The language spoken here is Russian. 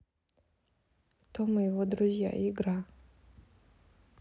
том и его друзья игра